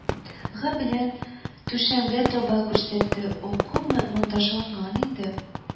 Гы белән түшәмгә таба күрсәтте, ó күпме монтажлаган инде